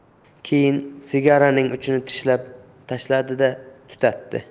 keyin sigaraning uchini tishlab tashladi da tutatdi